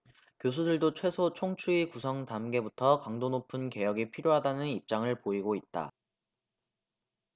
교수들도 최소 총추위 구성 단계부터 강도 높은 개혁이 필요하다는 입장을 보이고 있다